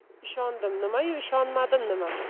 ishondim nimayu ishonmadim nima